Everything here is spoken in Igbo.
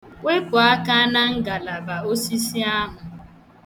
Wepụ aka na ngalaba osisi ahụ.